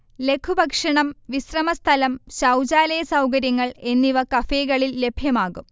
ലഘുഭക്ഷണം, വിശ്രമസ്ഥലം, ശൗചാലയ സൗകര്യങ്ങൾ എന്നിവ കഫേകളിൽ ലഭ്യമാകും